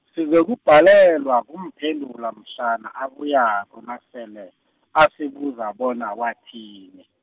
sizokubhalelwa kumphendula mhlana abuyako nasele, asibuza bona wathini.